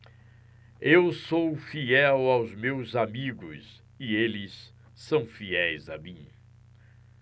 eu sou fiel aos meus amigos e eles são fiéis a mim